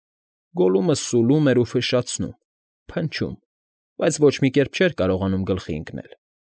Գոլլումը սուլում էր ու ֆշշացնում, փնչում, բայց ոչ մի կերպ չէր կարողանում գլխի ընկնել։